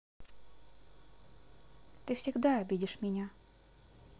ты всегда обидишь меня